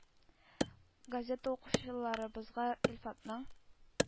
Газета укучыларыбызга Илфатның